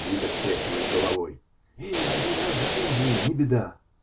Лида встряхивает головой: -- Э, один раз в жизни -- не беда.